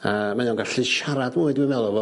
Yy mae o'n gallu siarad fwy dwi'n me'wl efo...